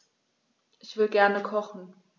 Ich will gerne kochen.